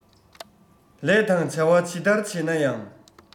ལས དང བྱ བ ཇི ལྟར བྱེད ན ཡང